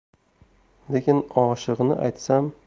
lekin ochig'ini aytsam